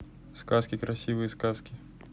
сказки красивые сказки